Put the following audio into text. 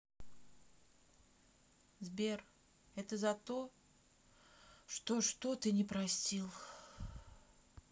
сбер это за то что что ты не простил